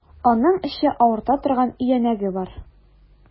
Аның эче авырта торган өянәге бар.